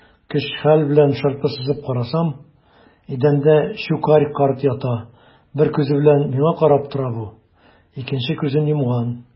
Көч-хәл белән шырпы сызып карасам - идәндә Щукарь карт ята, бер күзе белән миңа карап тора бу, икенче күзен йомган.